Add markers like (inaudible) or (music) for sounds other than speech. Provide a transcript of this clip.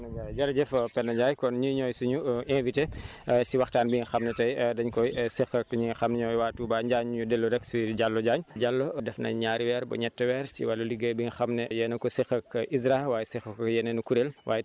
Penda Ndiaye jërëjëf Penda Ndiaye kon ñii ñooy suñu invité (breath) (hesitation) si waxtaan bi nga xam ne tey dañ koy seq ak ñi nga xam ñooy waa Touba Njaañ ñu dellu rek si Diallo Diagne Diallo def na ñaari weer ba ñetti weer si wàllu liggéey bi nga xam ne yéen a ngi ko seq ak ISRA waaye seq ko ak yeneen kuréel